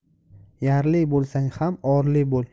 yarli bo'lsang ham orli bo'l